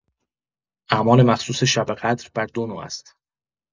اعمال مخصوص شب قدر بر دو نوع است.